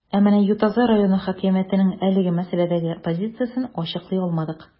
Ә менә Ютазы районы хакимиятенең әлеге мәсьәләдәге позициясен ачыклый алмадык.